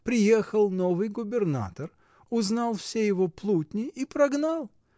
Приехал новый губернатор, узнал все его плутни и прогнал!